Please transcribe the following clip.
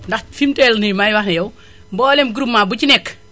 ndax fi mu teew nii may wax ak yow mbooleem groupement bu ci nekk